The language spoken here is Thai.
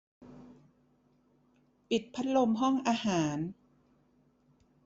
ปิดพัดลมห้องอาหาร